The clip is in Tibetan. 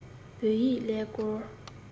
བོད ཡིག ཀྱང ཀླད ཀོར